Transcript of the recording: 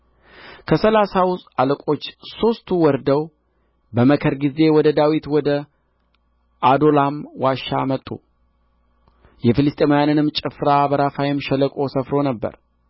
ከሠላሳውም አለቆች ሦስቱ ወርደው በመከር ጊዜ ወደ ዳዊት ወደ ዓዶላም ዋሻ መጡ የፍልስጥኤማውያንም ጭፍራ በራፋይም ሸለቆ ሰፍሮ ነበር